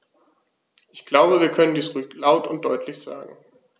Ich glaube, wir können dies ruhig laut und deutlich sagen.